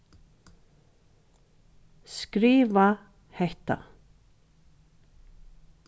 skriva hetta